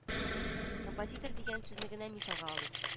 Композитор дигән сүзне генә мисалга алыйк